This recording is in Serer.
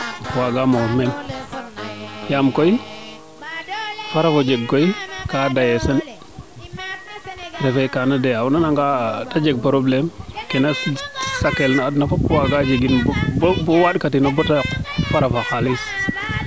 waaga moof meen yaam koy fara fo jeg koy kaa deye sen refe kaana doya o nana nga te jeg probleme ke na saqal ne adna fop waga jegin bo waand ka tino bata yoq farafa xalis